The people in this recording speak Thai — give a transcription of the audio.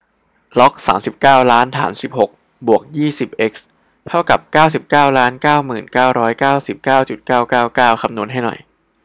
ล็อกสามสิบเก้าล้านฐานสิบหกบวกยี่สิบเอ็กซ์เท่ากับเก้าสิบเก้าล้านเก้าหมื่นเก้าร้อยเก้าสิบเก้าจุดเก้าเก้าเก้าคำนวณให้หน่อย